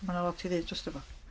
'Ma na lot i ddeud drosta fo.